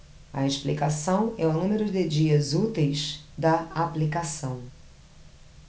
a explicação é o número de dias úteis da aplicação